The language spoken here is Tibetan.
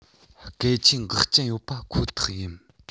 སྐད ཆའི འགག རྐྱེན ཡོད པ ཁོ ཐག ཡིན